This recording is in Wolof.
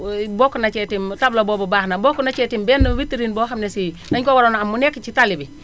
bokk na cee itam tableau boobu baax na bokk na cee itam benn vitrine boo xam ne sii dañu ko waroon a am mu nekk ci tali bi